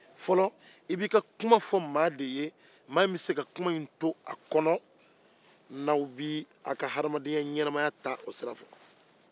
fɔlɔ i b'i ka kuma fɔ maa de ye maa in b'a to a kɔnɔ i n'a bɛ aw ka ɲɛnamaya taa o sira kɔ